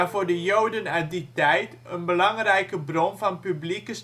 voor de Joden uit die tijd een belangrijke bron van publieke